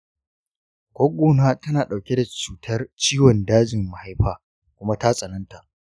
gwaggona ta na ɗauke da cutar ciwon dajin mahaifa kuma ta tsananta